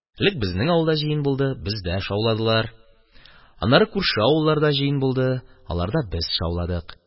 Элек безнең авылда җыен булды – бездә шауладылар, аннары күрше авылларда җыен булды – аларда без шауладык.